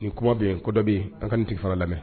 Ni kuma bɛ kɔ dɔbi an ka nin tɛ fara lamɛn